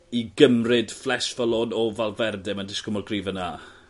i gymryd Flèche Wallonne o Valverde ma'n dishgwl mor gryf â 'na.